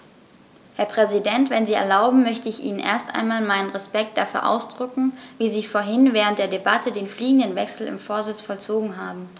Herr Präsident, wenn Sie erlauben, möchte ich Ihnen erst einmal meinen Respekt dafür ausdrücken, wie Sie vorhin während der Debatte den fliegenden Wechsel im Vorsitz vollzogen haben.